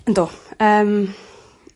yndw. Yym.